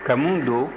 kamiw don